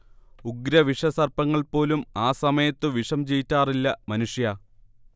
ഉഗ്രവിഷസർപ്പങ്ങൾ പോലും ആ സമയത്ത് വിഷം ചീറ്റാറില്ല മനുഷ്യാ